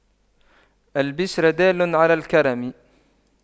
الْبِشْرَ دال على الكرم